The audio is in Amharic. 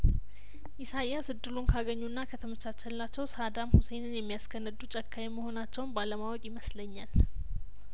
ኢሳይያስ እድሉን ካገኙና ከተመቻቸላቸው ሳዳም ሁሴንን የሚያስ ከነዱ ጨካኝ መሆናቸውን ባለማወቅ ይመስለኛል